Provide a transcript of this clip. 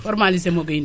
formalisé moo koy indi